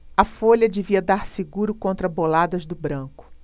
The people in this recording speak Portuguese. a folha devia dar seguro contra boladas do branco